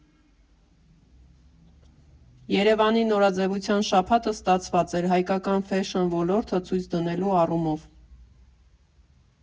Երևանի նորաձևության շաբաթը ստացված էր՝ հայկական ֆեշըն ոլորտը ցույց դնելու առումով։